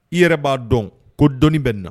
I yɛrɛ b'a dɔn ko dɔnnii bɛ na